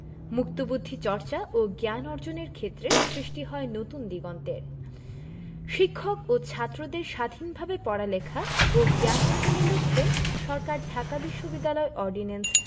মুক্তবুদ্ধি চর্চা ও জ্ঞান অর্জনের ক্ষেত্রে সৃষ্টি হয় নতুন দিগন্তের শিক্ষক ও ছাত্রদের স্বাধীনভাবে পড়ালেখা ও জ্ঞান অর্জনের লক্ষ্যে সরকার ঢাকা বিশ্ববিদ্যালয় অর্ডিন্যান্স